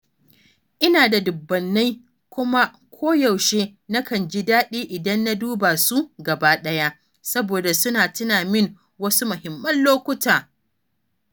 Ina da dubunnai kuma koyaushe nakan ji daɗi idan na dube su gaba ɗaya, saboda suna tuna mini wasu muhimman lokuta.